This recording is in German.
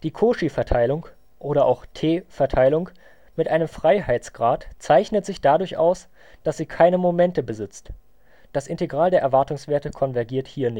Cauchy-Verteilung oder auch t-Verteilung mit einem Freiheitsgrad zeichnet sich dadurch aus, dass sie keine Momente besitzt. Das Integral der Erwartungswerte konvergiert hier